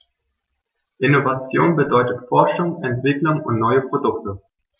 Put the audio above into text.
Innovation bedeutet Forschung, Entwicklung und neue Produkte.